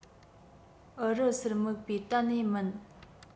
ཨུ རུ སུར དམིགས པའི གཏན ནས མིན